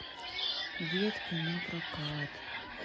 детки на прокат